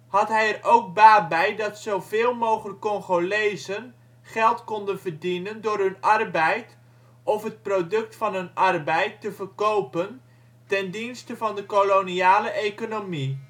hij er ook baat bij dat zoveel mogelijk Congolezen geld konden verdienen door hun arbeid of het product van hun arbeid te verkopen ten dienste van de koloniale economie